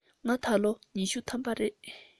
ང ད ལོ ལོ ཉི ཤུ ཐམ པ རེད